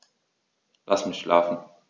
Lass mich schlafen